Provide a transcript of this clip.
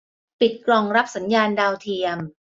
ปิดกล่องรับสัญญาณดาวเทียม